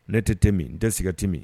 Ne tɛ thé min, n tɛ cigarette min.